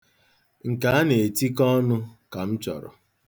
Nke a na-etikọ ọnụ ka m chọrọ.